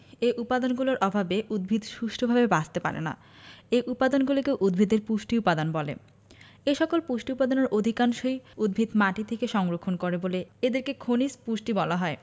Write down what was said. এ উপাদানগুলোর অভাবে উদ্ভিদ সুষ্ঠুভাবে বাঁচতে পারে না এ উপাদানগুলোকে উদ্ভিদের পুষ্টি উপাদান বলে এসকল পুষ্টি উপাদানের অধিকাংশই উদ্ভিদ মাটি থেকে সংগ্রহ করে বলে এদেরকে খনিজ পুষ্টি বলা হয়